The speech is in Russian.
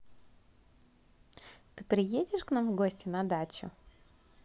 ты приедешь к нам в гости на дачу